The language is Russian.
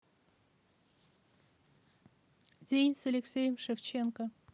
день с алексеем шевченко